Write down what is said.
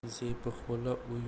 zebi xola u